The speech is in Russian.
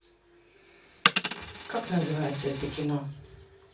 как называется это кино